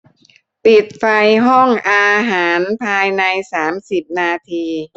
ปิดไฟห้องอาหารภายในสามสิบนาที